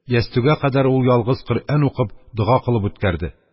Ястүгә кадәр ул ялгыз Коръән укып, дога кылып үткәрде.